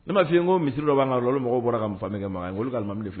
Ne m ma fi ko misi dɔ'a la olu mɔgɔ bɔra ka fan kɛ n k' ma